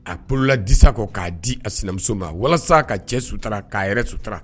A pla disa kɔ k'a di a sinamuso ma walasa ka cɛ sutura k'a yɛrɛ sutura